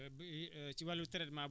waaw